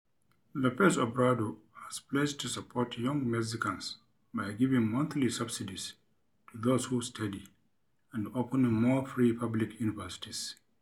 Lopez Obrador has pledged to support young Mexicans by giving monthly subsidies to those who study and opening more free public universities.